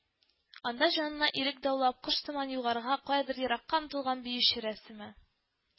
Анда җанына ирек даулап, кош сыман югарыга, каядыр еракка омтылган биюче рәсеме